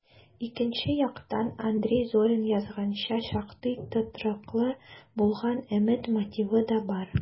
Икенче яктан, Андрей Зорин язганча, шактый тотрыклы булган өмет мотивы да бар: